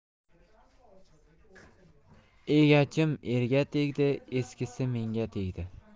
egachim erga tegdi eskisi menga tegdi